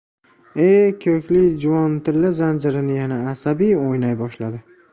e ko'hlik juvon tilla zanjirini yana asabiy o'ynay boshladi